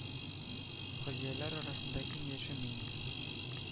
Хаҗияләр арасында иң яше мин идем